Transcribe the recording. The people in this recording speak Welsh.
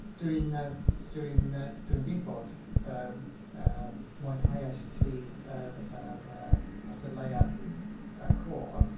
Dwi'n dwi'n dwi'n gwybod yym y mwynheaist ti yr yr yr yy cystadleuaeth y côr.